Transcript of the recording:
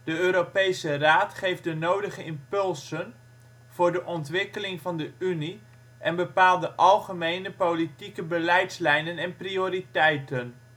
Europese Raad geeft de nodige impulsen voor de ontwikkeling van de Unie en bepaalt de algemene politieke beleidslijnen en prioriteiten